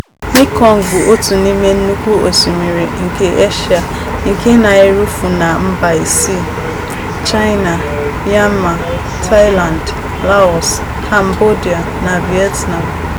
Mekong bụ otu n'ime nnukwu osimiri nke Eshia nke na-erufu na mba isii: China, Myanmar, Thailand, Laos, Cambodia, na Vietnam.